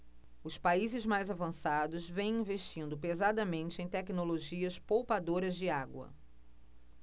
os países mais avançados vêm investindo pesadamente em tecnologias poupadoras de água